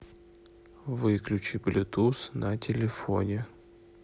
выключи блютуз на телефоне